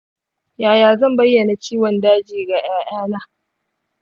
yaya zan bayyana ciwon daji ga ’ya’yana?